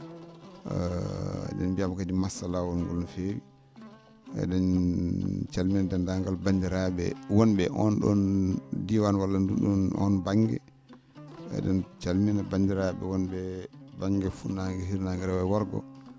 e?en mbiya mo kadi massa laawol ngol no feewi e?en calmina denndaangal banndiraa?e won?e oon ?oon diiwaan walla ?um ?oon oon ?oon ba?nge e?en calmina banndiraa?e won?e ba?nge futnaange hiirnaange rewo e worgo